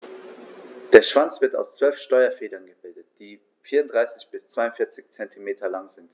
Der Schwanz wird aus 12 Steuerfedern gebildet, die 34 bis 42 cm lang sind.